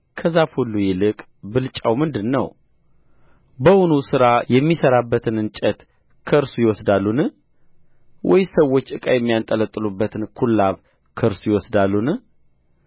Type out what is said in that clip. ከዛፍ ሁሉ ይልቅ ብልጫው ምንድር ነው በውኑ ሥራ የሚሠራበትን እንጨት ከእርሱ ይወስዳሉን ወይስ ሰዎች ዕቃ የሚንጠለጠልበትን ኵላብ ከእርሱ ይወስዳሉን